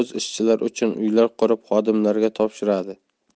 ishchilari uchun uylar qurib xodimlariga topshiradi